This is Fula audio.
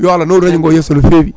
yo Allah nawru radio ngo yesso no fewi